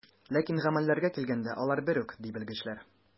Ләкин гамәлләргә килгәндә, алар бер үк, ди белгечләр.